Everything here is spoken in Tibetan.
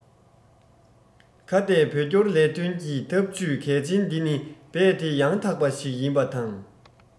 ཁ གཏད བོད སྐྱོར ལས དོན གྱི ཐབས ཇུས གལ ཆེན དེ ནི རྦད དེ ཡང དག པ ཞིག ཡིན པ དང